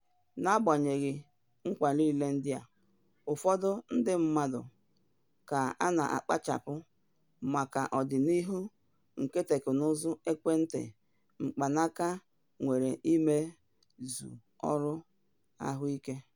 N'agbanyeghị nkwa niile ndị a, ụfọdụ ndị mmadụ ka na-akpachapụ maka ọdịnihu nke teknụzụ ekwentị mkpanaka nwere imezi ọrụ ahụike.